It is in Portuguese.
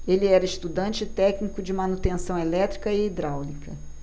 ele era estudante e técnico de manutenção elétrica e hidráulica